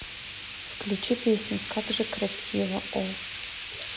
включи песню как же красива о